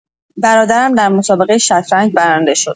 برادرم در مسابقۀ شطرنج برنده شد.